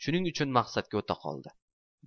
shuning uchun maqsadga o'taqoldi